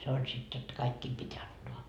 se oli sitten jotta kaikkien piti antaa